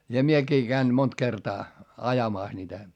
ja minäkin kävin monta kertaa ajamassa niitä